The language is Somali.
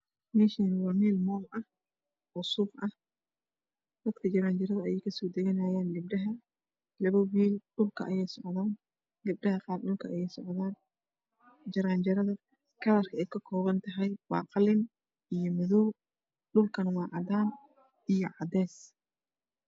Meeshaan waa meel mool ah cusub dadka jaranjarada ayay kasoo daganahayaan gabdhaha ah labo wiil dhulka ayay socdaan gabadha qaar dhulka ayay socdaan jaranjarada kalarka ay ka kooban tahay waa qalin iyo madow dhul kana waa cadaan iyo cadeys.